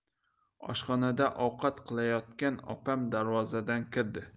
oshxonada ovqat qilayotgan opam darvozadan kirdi